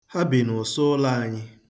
Ha bi n'ụsọ ụlọ anyị.